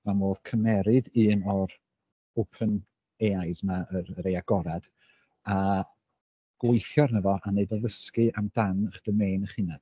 ma' modd cymeryd un o'r open AIs yma, y y rai agored, a gweithio arno fo a wneud o ddysgu amdan eich domain eich hunan.